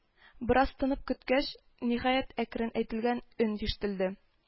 Бераз тынып көткәч, ниһаять әкрен әйтелгән өн ишетелде